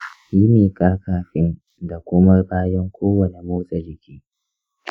yi miƙa kafin da kuma bayan kowane motsa jiki.